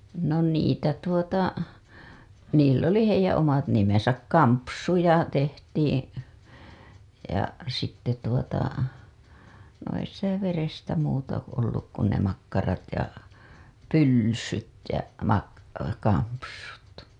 no niitä tuota niillä oli heidän omat nimensä kampsuja tehtiin ja sitten tuota no ei sitä verestä muuta ollut kuin ne makkarat ja pylsyt ja - kampsut